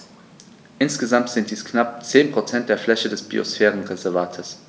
Insgesamt sind dies knapp 10 % der Fläche des Biosphärenreservates.